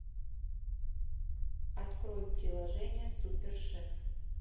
открой приложение супершеф